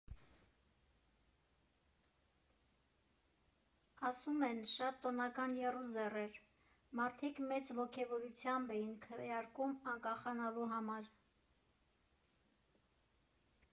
Ասում են՝ շատ տոնական եռուզեռ էր, մարդիկ մեծ ոգևորվածությամբ էին քվեարկում անկախանալու համար…